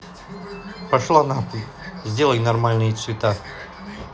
пошла нахуй сделай нормальный цвета